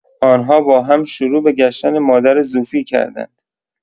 آنها با هم شروع به گشتن مادر زوفی کردند.